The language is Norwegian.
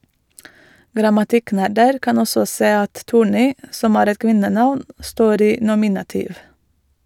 Grammatikknerder kan også se at Thorni, som er et kvinnenavn, står i nominativ.